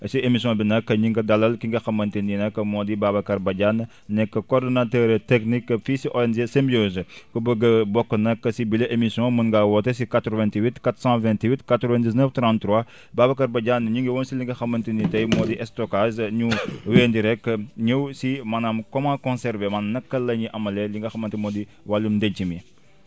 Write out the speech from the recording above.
si émission bi nag ñu ngi dalal ki nga xamante ni nag moo di Babacar Badiane nekk coordonnateur technique fii si ONG Symbiose ku bëgg a bokk nag si bile émission mun ngaa woote si 88 428 99 33 Babacar Badiane ñu ngi woon si li nga xamante ni tey moo di stockage ñu wéyandi rek ñëw si maanaam comment conserver maanaam naka la ñuy amalee li nga xamante ni moo di wàllum ndenc mi